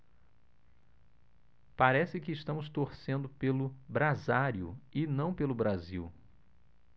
parece que estamos torcendo pelo brasário e não pelo brasil